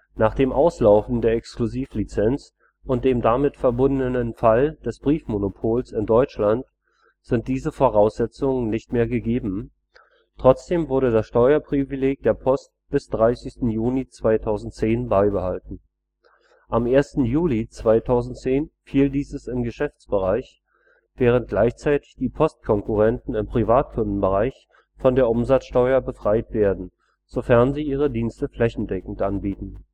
Nach dem Auslaufen der Exklusivlizenz und dem damit verbundenen Fall des Briefmonopols in Deutschland sind diese Voraussetzungen nicht mehr gegeben, trotzdem wurde das Steuerprivileg der Post bis 30. Juni 2010 beibehalten. Am 1. Juli 2010 fiel dieses im Geschäftsbereich, während gleichzeitig die Post-Konkurrenten im Privatkundenbereich von der Umsatzsteuer befreit werden, sofern sie ihre Dienste flächendeckend anbieten